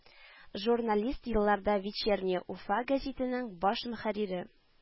Журналист, елларда “Вечерняя Уфа” гәзитенең баш мөхәррире